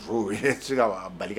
Se ka bali